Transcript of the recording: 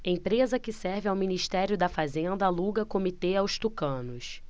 empresa que serve ao ministério da fazenda aluga comitê aos tucanos